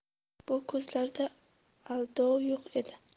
bu ko'zlarda aldov yo'q edi